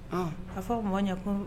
A fɔ mɔ ɲɛkun